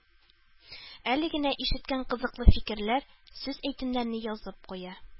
Әле генә ишеткән кызыклы фикерләр, сүз-әйтемнәрне язып куя